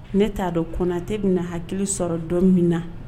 Ne t'a dɔn konatɛ bɛna hakili sɔrɔ dɔ min na